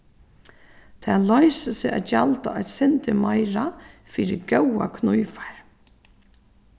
tað loysir seg at gjalda eitt sindur meira fyri góðar knívar